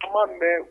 Kuma min bɛ